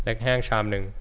เล็กแห้งชามนึง